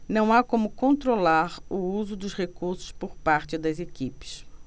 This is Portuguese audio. não há como controlar o uso dos recursos por parte das equipes